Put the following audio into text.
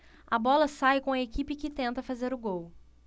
a bola sai com a equipe que tenta fazer o gol